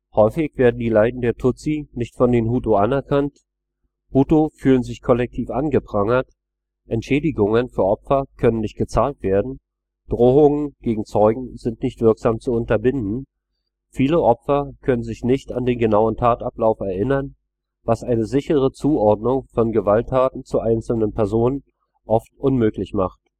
Häufig werden die Leiden der Tutsi nicht von den Hutu anerkannt, Hutu fühlen sich kollektiv angeprangert, Entschädigungen für Opfer können nicht gezahlt werden, Drohungen gegen Zeugen sind nicht wirksam zu unterbinden, viele Opfer können sich nicht an den genauen Tatablauf erinnern, was eine sichere Zuordnung von Gewalttaten zu einzelnen Personen oft unmöglich macht